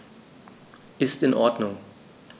Ist in Ordnung.